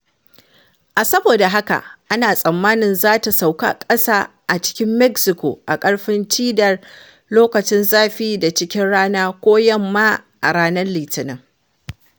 A saboda haka, ana tsammani za ta sauka ƙasa a cikin Mexico a ƙarfin cidar loƙacin zafi da cikin rana ko yamma a ranar Litinin.